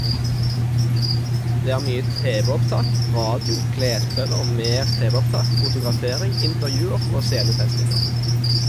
Det er mye tv-opptak, radio, klesprøver, mer tv-opptak, fotografering, intervjuer og scenetesting nå.